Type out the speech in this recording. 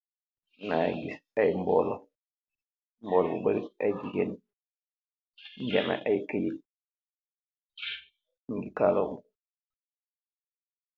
Mangeh kess ay boloh , boloh bu bareh ayy jigeen , nugeh ahmeh ayy keit nugeh calaah wuuh.